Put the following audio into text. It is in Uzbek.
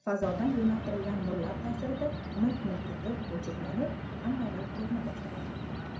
fazodan yo'naltirilgan nurlar ta'sirida milt milt etib o'chib yonib hammaga ko'rina boshlaydi